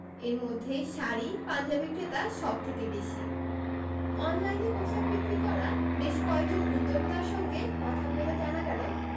এর মধ্যে শাড়ি পাঞ্জাবির ক্রেতা সব থেকে বেশি অনলাইনে পোশাক বিক্রি করা বেশ কয়েকজন উদ্যোক্তার সঙ্গে কথা বলে জানা গেল